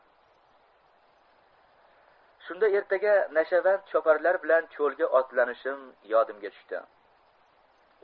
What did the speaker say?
shunda ertaga nashavand choparlar bilan cho'lga otlanishim yodimga tushdi